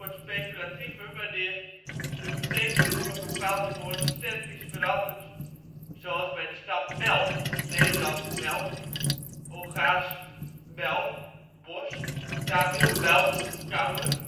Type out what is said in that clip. speculatiever wanneer de betekenis van bepaalde woorden sterk is veranderd, zoals bij de stam mel - (Nederlands: melk, Hongaars: mell, borst, Tamil: melku, kauwen